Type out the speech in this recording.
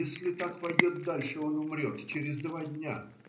Если так пойдет дальше, он умрет через два дня.